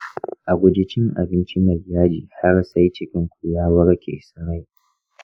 a guji cin abinci mai yaji har sai cikinku ya warke sarai.